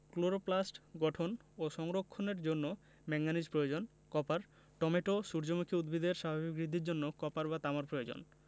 chloroplast গঠন ও সংরক্ষণের জন্য ম্যাংগানিজ প্রয়োজন কপার টমেটো সূর্যমুখী উদ্ভিদের স্বাভাবিক বৃদ্ধির জন্য কপার বা তামার প্রয়োজন